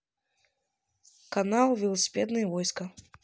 канал велосипедные войска